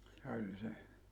oli se